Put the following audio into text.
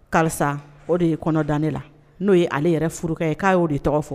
Karisa o de ye kɔnɔ dan ne la n'o ye ale yɛrɛ furu ye k'a'o de tɔgɔ fɔ